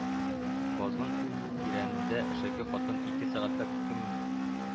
Базның тирәнендә әшәке хатын ике сәгатьләп кем